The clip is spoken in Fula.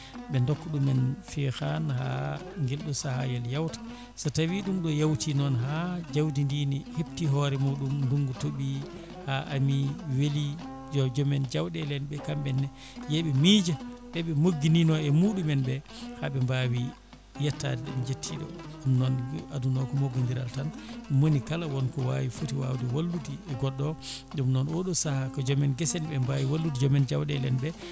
ɓe dooka ɗumen fihaan ha guelɗo sahayel yawta so tawi ɗum ɗo yawti noon ha jawdi ndi ni hepti hoore muɗum ndgungu tooɓi ha amii weeli yo joom en jawɗele en ɓe kamɓenne yooɓe miijo ɓeeɓe mogguinino e muɗumen ɓe haaɓe mbawi yettade ɗooɓe jettiɗo noon aduna ko ko mogodiral tan monikala wonko wawi footi wawde wallude goɗɗo o ɗum noon oɗo saaha ko joom en guese en ɓe wallude joom en jawɗele en ɓe